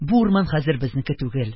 Бу урман хәзер безнеке түгел,